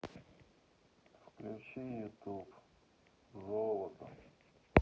включи ютуб золото